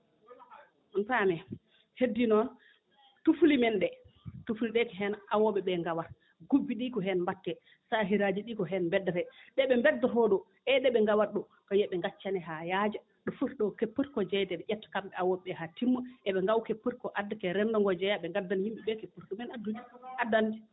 on paamii heddii noon tufle men ɗee tufle lee ko heen awooɓe ɓee ngawata guppi ɗii hen mbaɗetee saahiraaji ɗii ko heen mbeddetee ɗo ɓe mbeddoroo ɗoo e ɗo ɓe ngawata ɗoo yo ɓe ngaccane haa yaaja ko ɓe poti koo jeyde ɓe ƴetta kamɓe awooɓe ɓee haa timma eɓe ngawa pour addetee renndoo ngoo jeya ɓe ngaddana yimɓe ɓee ko ɓe poti ɗumen addande